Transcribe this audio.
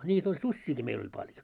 niitä oli susiakin meillä oli paljon